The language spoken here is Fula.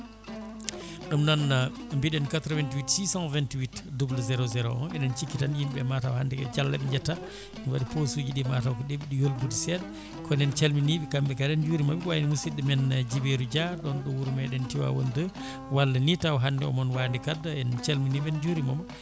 ɗum noon mbiɗen 88 628 00 01 eɗen cikki tan yimɓe mataw hande ko Diallo ɓe jetta waɗi posuji ɗi mataw ko ɗeɓɗi yolbude seeɗa kono en calminiɓe kamɓe kala en juurimaɓe ko wayno musidɗo men Djiby Yero Dia ɗon ɗo wuuro meɗen Tivaoune 2 walla ni taw hande omona Wande Kadda en calminiɓe en jurimamo